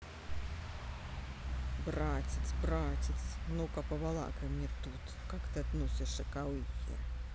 братец братец ну ка побалакай мне тут как ты относишься к ауе